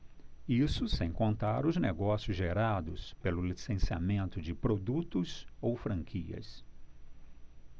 isso sem contar os negócios gerados pelo licenciamento de produtos ou franquias